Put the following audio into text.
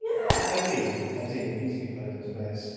Ie!...Ydy, ydy, he needs to be put in his place.